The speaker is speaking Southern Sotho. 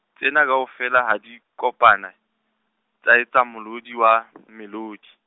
tsena kaofela ha di, kopana, tsa etsa molodi wa , melodi.